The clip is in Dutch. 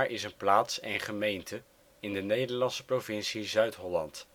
is een plaats en gemeente in de Nederlandse provincie Zuid-Holland